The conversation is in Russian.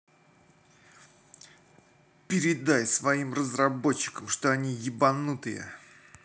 передай своим разработчикам что они ебанутые